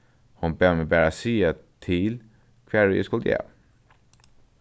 hon bað meg bara siga til hvar ið eg skuldi av